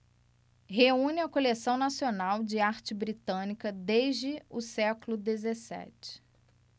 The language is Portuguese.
reúne a coleção nacional de arte britânica desde o século dezessete